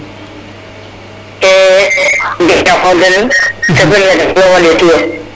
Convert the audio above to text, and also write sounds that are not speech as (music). (unintelligible) ke felna den rek a ɗeetuyo,